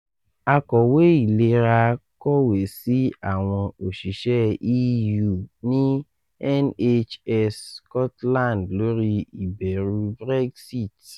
Àkọ̀wé Ìlera kọ̀wé sí àwọn òṣìṣẹ́ EU ní NHS Scotland lórí ìbẹ́rù Brexit